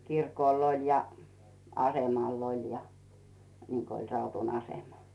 kirkolla oli ja asemalla oli ja niin kuin oli Raudun asema